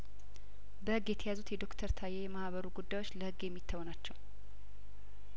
በህግ የተያዙት የዶክተር ታዬ የማህበሩ ጉዳዮች ለህግ የሚተዉ ናቸው